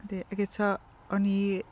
Yndi, ag eto o'n i...